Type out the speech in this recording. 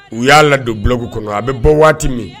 U y'a ladon bloc kɔnɔ a bɛ bɔ waati min.